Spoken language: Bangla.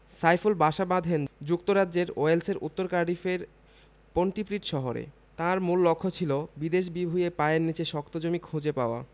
সাইফুল বাসা বাঁধেন যুক্তরাজ্যের ওয়েলসের উত্তর কার্ডিফের পন্টিপ্রিড শহরে তাঁর মূল লক্ষ্য ছিল বিদেশ বিভুঁইয়ে পায়ের নিচে শক্ত জমি খুঁজে পাওয়া